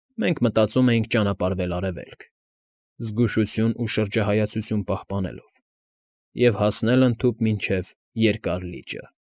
Մենք մտածում էինք ճանապարհվել Արևելք, զգուշություն ու շրջահայացություն պահպանելով, և հասնել ընդհուպ մինչև Երկար լիճը։